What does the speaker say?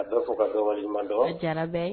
A bɛ fɔ ka waleɲuman